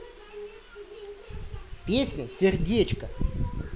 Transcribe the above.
песня сердечко